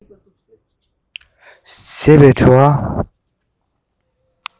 ཞེས པའི འདྲི བ